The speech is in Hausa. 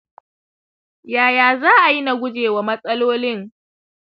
yaya za'ayi na guje wa matsalolin